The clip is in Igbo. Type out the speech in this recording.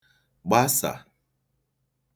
gbasà